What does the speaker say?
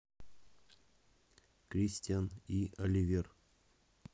кристиан и оливер